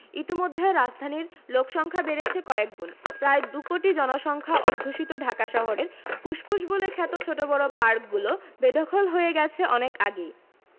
ইতোমধ্যে রাজধানীর লোকসংখ্যা বেড়েছে কয়েকগুণ প্রায় দুকোটি জনসংখ্যা অধ্যুষিত ঢাকা শহরের ফুসফুস বলে খ্যাত ছোট বড় পার্কগুলো বেদখল হয়ে গেছে অনেক আগেই